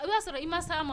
I ba sɔrɔ i ma sa ma